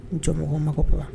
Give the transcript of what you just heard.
Cɛmɔgɔmɔgɔ ma baba